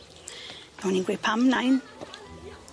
A o'n i'n gweud pam nain?